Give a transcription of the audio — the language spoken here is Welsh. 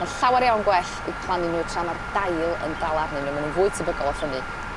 ma'n llawer iawn gwell eu plannu n'w tra ma'r dail yn dal arnyn n'w ma' nw'n fwy tebygol o ffynnu